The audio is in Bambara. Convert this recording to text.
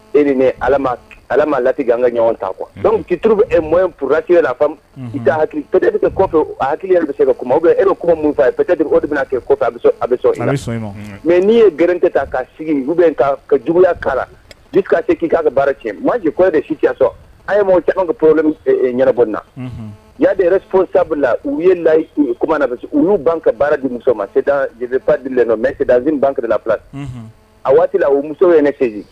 E bɛ ne ala ma lati an ka ɲɔgɔn ta kuwa dɔnku kiuru mɔ purc la fa hakili kɔfɛ hakili bɛ se ka kuma bɛ e kuma min fɔ a ye ppte o de bɛna'a kɛ kɔfɛ a bɛ a bɛ mɛ n'i ye grin tɛ ta k'a sigi uu bɛ ka ka juguya kala bi k'a se k'i'a ka baara cɛ maji kɔɛ de si cɛsɔ a ye ta an ka p ɲɛnabɔ na y'a de yɛrɛsa la u ye layi na u y'u ban ka baara di muso ma sedfa di mɛ sed sin ban kilafi a waati la o musow ye ne fɛ